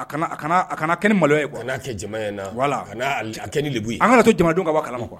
A kana a kanaa a kana kɛ ni maloya ye quoi kan'a kɛ jama ɲɛna voilà kanaa a l a kɛ ni lebu ye an ŋan'a to jamanadenw ka bɔ a kalama quoi